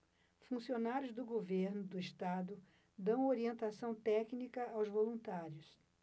funcionários do governo do estado dão orientação técnica aos voluntários